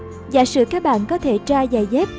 giả sử các bạn có thể tra giày dép